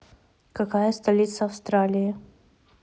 какая столица австралии